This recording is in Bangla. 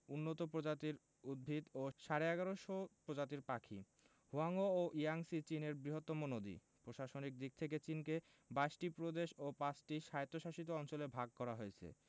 উন্নত প্রজাতির উদ্ভিত ও সাড়ে ১১শ প্রজাতির পাখি হোয়াংহো ও ইয়াংসি চীনের বৃহত্তম নদী প্রশাসনিক দিক থেকে চিনকে ২২ টি প্রদেশ ও ৫ টি স্বায়ত্তশাসিত অঞ্চলে ভাগ করা হয়েছে